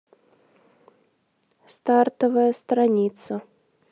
стартовая страница